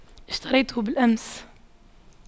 اشتريته بالأمس